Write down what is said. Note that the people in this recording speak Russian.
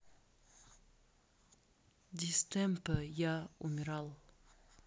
distemper я умирал